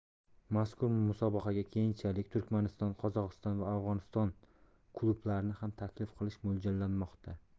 mazkur musobaqaga keyinchalik turkmaniston qozog'iston va afg'oniston klublarini ham taklif qilish mo'ljallanmoqda